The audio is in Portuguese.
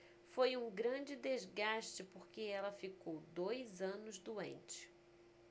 foi um grande desgaste porque ela ficou dois anos doente